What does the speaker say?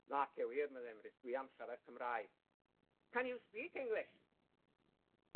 Nace wir, medde Emrys, dwi am siarad Cymraeg. Can you speak English?